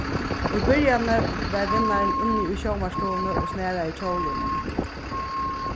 í byrjanini var vinnarin inni í sjónvarpsstovuni og snaraði hjólinum